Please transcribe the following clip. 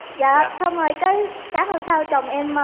dạ xong rồi cái sáng hôm sau chồng em